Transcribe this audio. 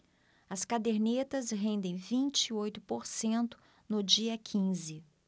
as cadernetas rendem vinte e oito por cento no dia quinze